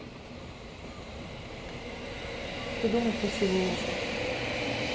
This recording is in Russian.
придумай красивую ложь